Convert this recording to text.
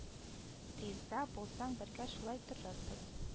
Риза булсаң бергә шулай торырбыз